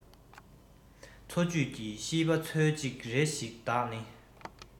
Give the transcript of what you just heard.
འཚོ བཅུད ཀྱི ཤིས པ སྩོལ ཅིག རེ ཞིག བདག ནི